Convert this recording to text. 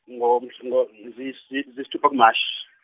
ngo- ngo- ziyis- ziyisithupha ku- March.